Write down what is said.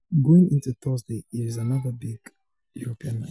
Going into Thursday, it's another big European night.